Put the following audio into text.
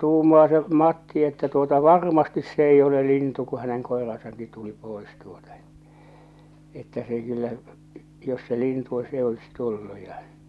tuumaa se Matti että tuota varmasti se ei ole lintu kun hänen koiransakin tuli pois tuota että että se kyllä jos se lintu on se ei olisi tullut ja